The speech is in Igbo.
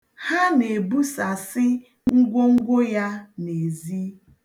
Ha na-ebusasị ngwongwo ya n'ezi.